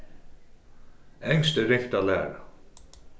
enskt er ringt at læra